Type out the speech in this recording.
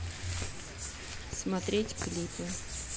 смотреть клипы